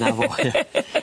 'Na fo. Ie.